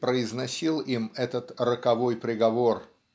произносил им этот роковой приговор